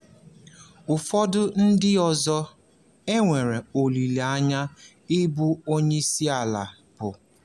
Ụfọdụ ndị ọzọ e nwere olileanya ịbụ onyeisiala bụ :